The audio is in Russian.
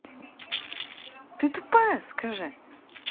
ты тупая скажи